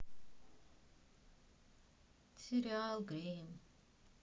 сериал гримм